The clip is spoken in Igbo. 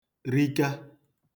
rịka